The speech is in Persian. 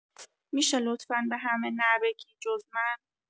می‌شه لطفا به همه نه بگی، جزمن؟